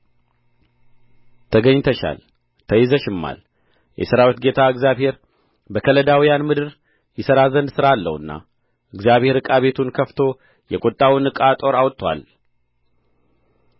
ተገኝተሻል ተይዘሽማል የሠራዊት ጌታ እግዚአብሔር በከለዳውያን ምድር ይሠራ ዘንድ ሥራ አለውና እግዚአብሔር ዕቃ ቤቱን ከፍቶ የቍጣውን ዕቃ ጦር አውጥቶአል